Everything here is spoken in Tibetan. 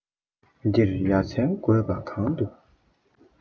འདིར ཡ མཚན དགོས པ གང འདུག